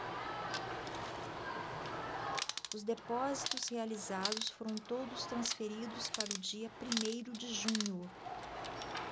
os depósitos realizados foram todos transferidos para o dia primeiro de junho